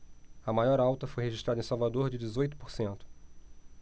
a maior alta foi registrada em salvador de dezoito por cento